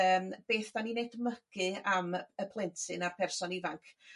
Yym beth 'dan ni'n edmygu am y plentyn a'r person ifanc.